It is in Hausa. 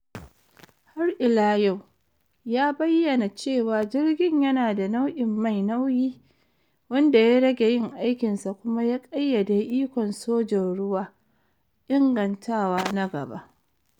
Har ila yau, ya bayyana cewa jirgin yana da nau’in mai nauyi wanda ya rage yin aikinsa kuma ya ƙayyade ikon sojin ruwa ingantawa na gaba.